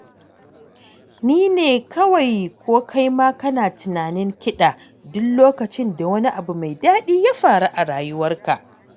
Ni ne kawai ko kai ma kana tunanin kiɗa duk lokacin da wani abu mai daɗi ya faru a ruwarka?